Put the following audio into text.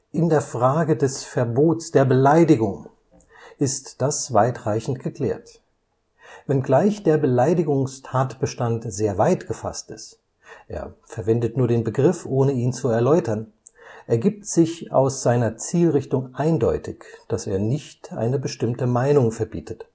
In der Frage des Verbots der Beleidigung ist das weitreichend geklärt. Wenngleich der Beleidigungstatbestand sehr weit gefasst ist (er verwendet nur den Begriff, ohne ihn zu erläutern), ergibt sich aus seiner Zielrichtung eindeutig, dass er nicht eine bestimmte Meinung verbietet